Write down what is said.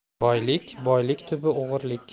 boylik boylik tubi o'g'irlik